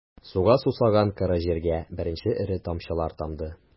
Суга сусаган коры җиргә беренче эре тамчылар тамды...